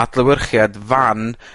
adlewyrchiad fan